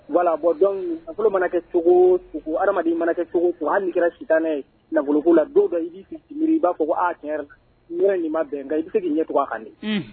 Voilà bon donc nafolo mana kɛ cogo o cogo adamaden i mana kɛ cogo o cogo hali n'i kɛra sitanɛ ye nafoloko la don dɔ i b'i sigi k'i miiri i b'a fɔ ko aa tiɲɛ yɛrɛ la nin yɔrɔ in de ma bɛn nka i be se k'i ɲɛ tug'a kan de unh